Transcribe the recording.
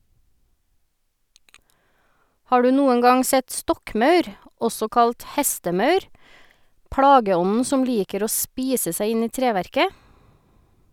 Har du noen gang sett stokkmaur , også kalt hestemaur, plageånden som liker å spise seg inn i treverket?